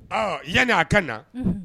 Ɔ yan a ka na